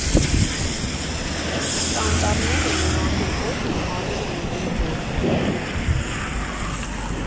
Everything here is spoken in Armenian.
Խիտ անտառներն ու մաքուր օդն անում են իրենց գործը.